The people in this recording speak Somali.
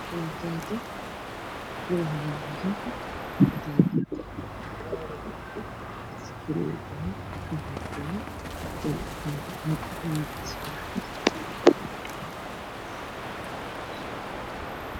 Waa jajar midabkiisii yahay cadaan gacan ayaa hayso waxaa hoos yaalla meel caddaan